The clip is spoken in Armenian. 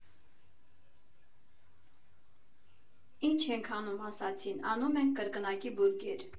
Ի՞նչ ենք անում, ֊ ասացին։ ֊ Անում ենք կրկնակի բուրգեր։